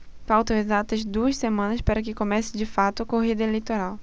faltam exatas duas semanas para que comece de fato a corrida eleitoral